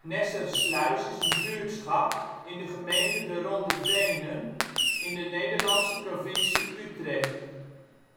Nessersluis is een buurtschap in de gemeente De Ronde Venen, in de Nederlandse provincie Utrecht.